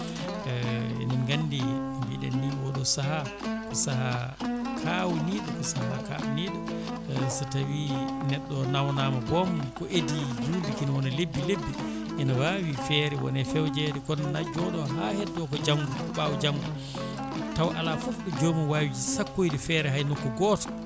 enen gandi no mbiɗen ni oɗo saaha ko saaha kawniɗo ko saaha kabniɗo so tawi neɗɗo o nawana ma boom ko iidi julde kene wona lebbi lebbi ene wawi feere wona e fewjede kono joomum jooɗo ha heddo ko janggo ko ɓaawo janggo taw ala foof ɗo joomum wawi sakkoyde feere hay nokku goto